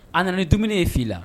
A nana dumuni ye' la